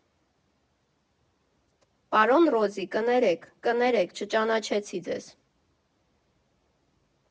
Պարոն Ռոզի կներեք… կներեք, չճանաչեցի ձեզ։